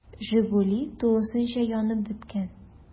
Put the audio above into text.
“жигули” тулысынча янып беткән.